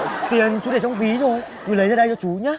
tiền chú để trong ví rồi cứ lấy ra đây cho chú nhá